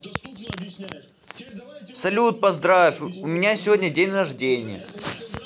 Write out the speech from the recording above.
салют поздравь меня у меня сегодня день рождения